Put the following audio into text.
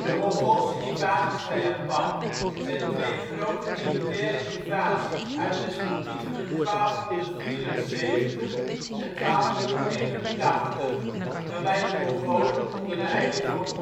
Mongoolse invasies van Japan (元寇,, Genkō) zijn twee grote militaire invasies uit respectievelijk 1274 en 1281, waarbij de Mongolen onder leiding van